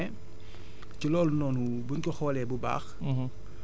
mais ci loolu noonu buñ ko xoolee bu baax